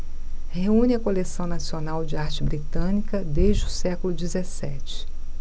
reúne a coleção nacional de arte britânica desde o século dezessete